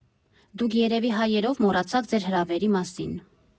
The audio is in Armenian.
«Դուք երևի հայերով մոռացաք ձեր հրավերի մասին»։